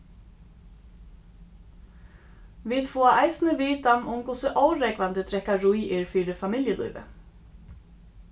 vit fáa eisini vitan um hvussu órógvandi drekkarí er fyri familjulívið